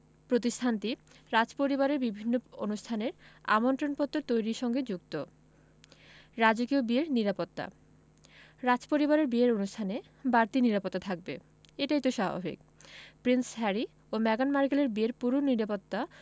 প্রতিষ্ঠানটি রাজপরিবারের বিভিন্ন অনুষ্ঠানের আমন্ত্রণপত্র তৈরির সঙ্গে যুক্ত রাজকীয় বিয়ের নিরাপত্তা রাজপরিবারের বিয়ের অনুষ্ঠানে বাড়তি নিরাপত্তা থাকবে এটাই তো স্বাভাবিক প্রিন্স হ্যারি ও মেগান মার্কেলের বিয়ের পুরো নিরাপত্তা